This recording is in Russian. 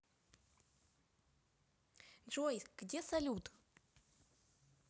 джой где салют